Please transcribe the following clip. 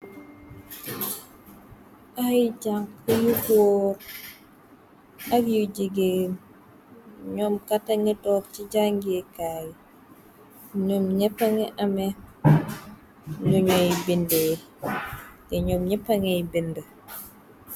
Ay jànk yu goor ak yu jigèen ñoom kata ngi toog ci jàngekaay. Noom neppa ngi amé nuñuy bindeh. Tè ñoom ñeppangéy bind.